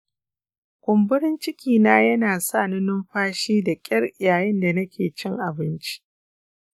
kumburin cikina yana sa ni numfashi da ƙyar yayin da nake cin abinci.